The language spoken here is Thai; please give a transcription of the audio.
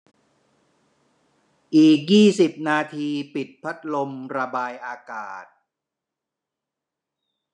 อีกยี่สิบนาทีปิดพัดลมระบายอากาศ